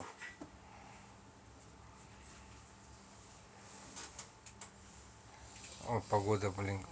хорошо мы поняли